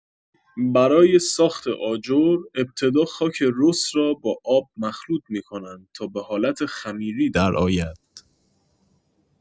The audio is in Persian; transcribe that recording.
برای ساخت آجر، ابتدا خاک رس را با آب مخلوط می‌کنند تا به حالت خمیری درآید.